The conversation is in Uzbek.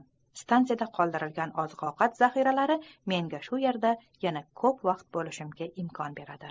stansiyada qoldirilgan oziq ovqat zahiralari menga bu yerda yana ko'p vaqt bo'lishimga imkon beradi